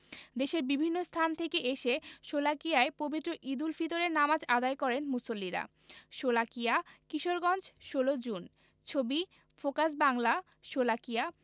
দেশের বিভিন্ন স্থান থেকে এসে শোলাকিয়ায় পবিত্র ঈদুল ফিতরের নামাজ আদায় করেন মুসল্লিরা শোলাকিয়া কিশোরগঞ্জ ১৬ জুন ছবি ফোকাস বাংলাশোলাকিয়া